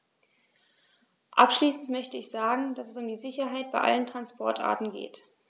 Abschließend möchte ich sagen, dass es um die Sicherheit bei allen Transportarten geht.